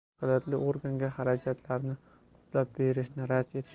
vakolatli organga xarajatlarni qoplab berilishini rad etish